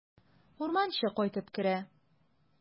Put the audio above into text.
Урманчы кайтып керә.